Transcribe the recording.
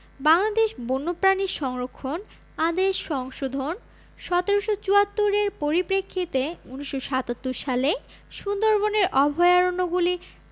বাংলাদেশ বন্যপ্রাণী সংরক্ষণ আদেশ সংশোধন ১৭৭৪ এর পরিপ্রেক্ষিতে ১৯৭৭ সালে সুন্দরবনের অভয়ারণ্যগুলি